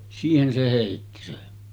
siihen se heitti sen